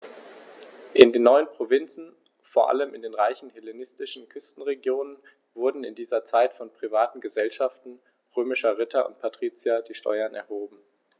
In den neuen Provinzen, vor allem in den reichen hellenistischen Küstenregionen, wurden in dieser Zeit von privaten „Gesellschaften“ römischer Ritter und Patrizier die Steuern erhoben.